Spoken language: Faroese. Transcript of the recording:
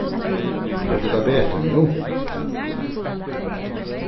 hevur tú tað betur nú